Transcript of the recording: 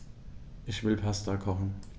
Ich will Pasta kochen.